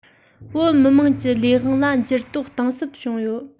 བོད མི དམངས ཀྱི ལས དབང ལ འགྱུར ལྡོག གཏིང ཟབ བྱུང ཡོད